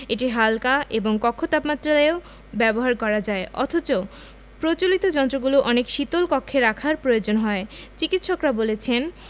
এটি হাল্কা এবং কক্ষ তাপমাত্রাতেও ব্যবহার করা যায় অথচ প্রচলিত যন্ত্রগুলো অনেক শীতল কক্ষে রাখার প্রয়োজন হয় চিকিত্সকরা বলছেন